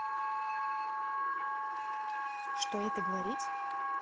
что это говорить